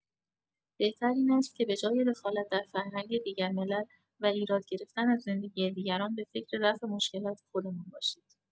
بهتر این است که بجای دخالت در فرهنگ دیگر ملل و ایراد گرفتن از زندگی دیگران به فکر رفع مشکلات خودمان باشید.